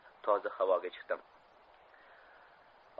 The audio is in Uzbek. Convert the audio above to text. toza havoga chiqdim